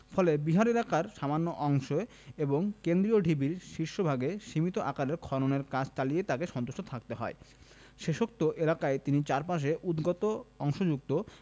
ফলে বিহার এলাকার সামান্য অংশে এবং কেন্দ্রীয় ঢিবির শীর্ষভাগে সীমিত আকারে খননের কাজ চালিয়েই তাঁকে সন্তুষ্ট থাকতে হয় শেষোক্ত এলাকায় তিনি চারপাশে উদ্গত অংশযুক্ত